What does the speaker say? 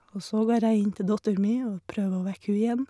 Og så går jeg inn til datter mi og prøver å vekke hu igjen.